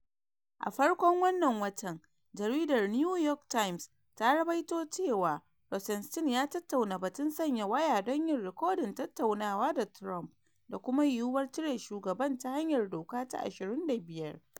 A farkon wannan watan, jaridar New York Times ta ruwaito cewa Rosenstein ya tattauna batun sanya waya don yin rikodin tattaunawa da Trump da kuma yiwuwar cire shugaban ta hanyar doka ta 25.